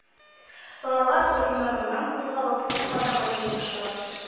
Балалар, урыннарыннан кузгалып, утка таба җыелыштылар